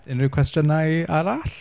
Unrhyw cwestiynau arall?